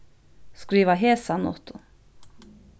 skriva hesa notu